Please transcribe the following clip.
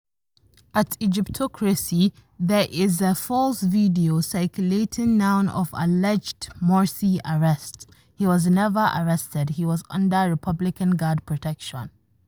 @Egyptocracy: There is an false video circulating now of alleged “#Morsi arrest”, he was never arrested, he was under republican guard protection.